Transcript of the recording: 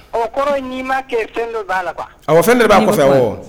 Ɔ kɔrɔ ni ma kɛ fɛn dɔ b'a la a fɛn de b'a kɔ wa